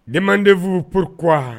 Demandez vous pourquoi